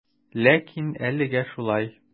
Ләкин әлегә шулай.